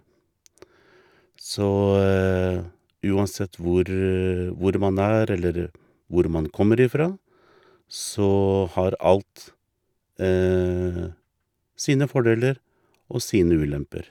Så uansett hvor hvor man er eller hvor man kommer ifra, så har alt sine fordeler og sine ulemper.